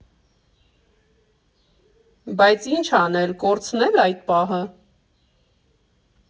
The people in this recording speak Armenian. Բայց ի՞նչ անել, կորցնե՞լ այդ պահը։